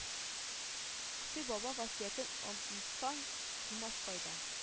Котый баба васыятен онытсаң булмас файда